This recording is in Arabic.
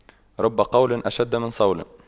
رب قول أشد من صول